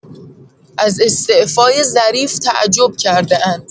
از استعفای ظریف تعجب کرده‌اند.